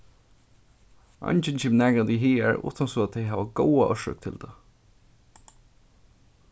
eingin kemur nakrantíð higar uttan so tey hava góða orsøk til tað